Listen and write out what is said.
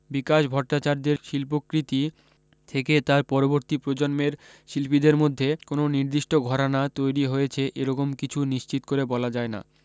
বিকাশ ভট্টাচার্যের শিল্পকৃতি থেকে তার পরবর্তী প্রজন্মের শিল্পীদের মধ্যে কোনও নির্দিষ্ট ঘরানা তৈরী হয়েছে এ রকম কিছু নিশ্চিত করে বলা যায় না